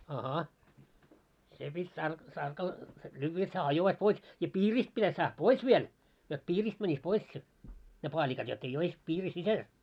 aha se piti - tarkalla lyödä jotta hää hajoaisi pois ja piiristä pitäisi saada pois vielä jotta piiristä menisi pois se ne paalikat jotta ei olisi piirin sisällä